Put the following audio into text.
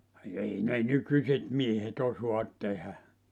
ei ne nykyiset miehet osaa tehdä